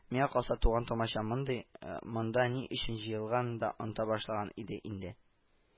Миңа калса, туган-тумача мондый монда ни өчен җыелганын да оныта башлаган иде инде